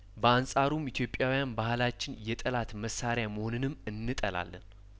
በአንጻሩም ኢትዮጵያውያን ባህላችን የጠላት መሳሪያመሆንንም እንጠላለን